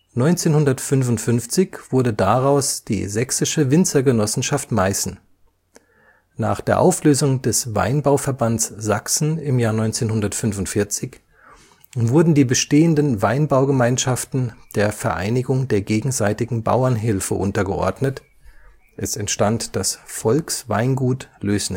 1955 wurde daraus die Sächsische Winzergenossenschaft Meißen. Nach der Auflösung des Weinbauverbands Sachsen 1945 wurden die bestehenden Weinbaugemeinschaften der Vereinigung der gegenseitigen Bauernhilfe untergeordnet, es entstand das Volksweingut Lößnitz